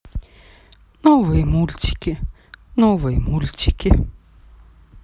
новые мультики новые мультики